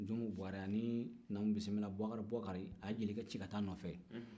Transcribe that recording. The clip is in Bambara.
junmu buare ani nankunbisimila buwakari a ye jelikɛ ci ka t'a nɔ fɛ